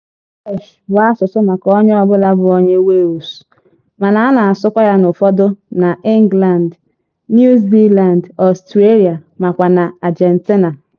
Welsh bụ asụsụ maka onye ọbụla bụ onye Wales, mana a na-asụkwa ya n'ụfodụ n'England, New Zealand, Australia makwa n'Argentina.